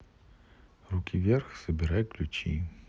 руки вверх забирай ключи